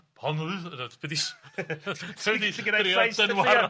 honydd y... Be' 'di s- dynwared